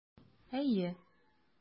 Әйе.